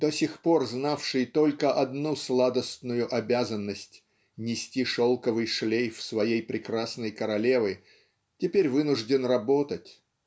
до сих пор знавший только одну сладостную обязанность -- нести шелковый шлейф своей прекрасной королевы теперь вынужден работать